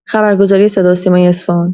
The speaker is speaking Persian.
خبرگزاری صداوسیمای اصفهان